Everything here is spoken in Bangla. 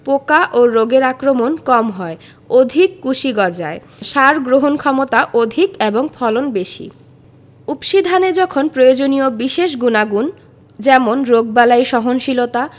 ⦁ পোকা ও রোগের আক্রমণ কম হয় ⦁ অধিক কুশি গজায় ⦁ সার গ্রহণক্ষমতা অধিক এবং ফলন বেশি উফশী ধানে যখন প্রয়োজনীয় বিশেষ গুনাগুণ যেমন রোগবালাই সহনশীলতা